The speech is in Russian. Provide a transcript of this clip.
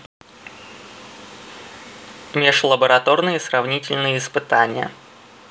межлабораторные сравнительные испытания